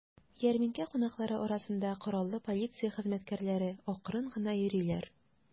Ярминкә кунаклары арасында кораллы полиция хезмәткәрләре акрын гына йөриләр.